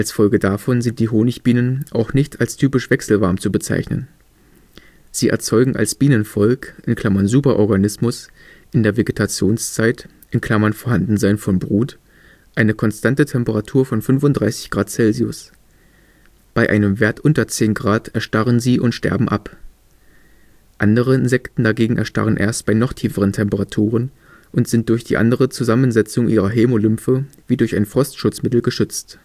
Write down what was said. Folge davon sind die Honigbienen auch nicht als typisch wechselwarm zu bezeichnen. Sie erzeugen als Bienenvolk (Superorganismus) in der Vegetationszeit (Vorhandensein von Brut) eine konstante Temperatur von 35 °C. Bei einem Wert unter 10 °C erstarren sie und sterben ab. Andere Insekten dagegen erstarren erst bei noch tieferen Temperaturen und sind durch die andere Zusammensetzung ihrer Hämolymphe wie durch ein Frostschutzmittel geschützt